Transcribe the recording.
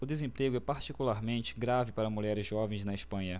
o desemprego é particularmente grave para mulheres jovens na espanha